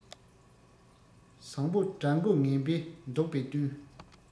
བཟང པོ དགྲ མགོ ངན པས བཟློག པས བསྟུན